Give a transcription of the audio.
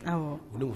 Aw olu